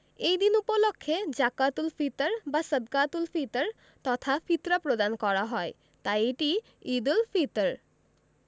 এই দিন উপলক্ষে জাকাতুল ফিতর বা সদকাতুল ফিতর তথা ফিতরা প্রদান করা হয় তাই এটি ঈদুল ফিতর